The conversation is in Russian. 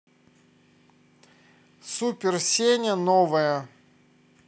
супер сеня новое